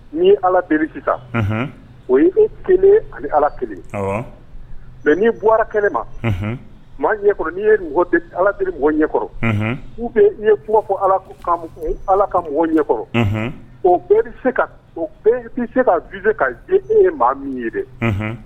Ni ye ala bere sisan o ye e kelen ani ala kelen mɛ n'i bɔrawa kɛnɛ ma maa ɲɛkɔrɔ n'i ye ala deli mɔgɔ ɲɛkɔrɔ u ii ye kuma fɔ ala ala ka mɔgɔ ɲɛkɔrɔ o bɛɛ se ka ka e e ye maa min ye dɛ